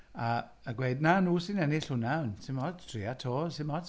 A a gweud "na, nhw sy'n ennill hwnna, ond does dim ots. Tria eto, does dim ots".